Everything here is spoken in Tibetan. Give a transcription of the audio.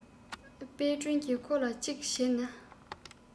དཔལ སྒྲོན གྱིས ཁོ ལ གཅིག བྱས ན